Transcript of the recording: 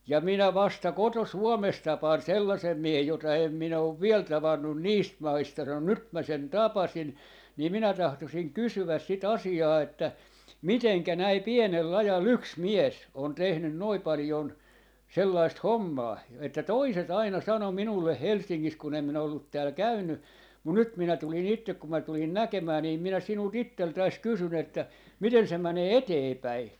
ja minä vasta koto-Suomessa tapaan sellaisen miehen jota en minä ole vielä tavannut niistä maista sanoi nyt minä sen tapasin niin minä tahtoisin kysyä sitä asiaa että miten näin pienellä ajalla yksi mies on tehnyt noin paljon sellaista hommaa - että toiset aina sanoi minulle Helsingissä kun en minä ollut täällä käynyt mutta nyt minä tulin itse kun minä tulin näkemään niin minä sinulta itseltäsi kysyn että miten se menee eteenpäin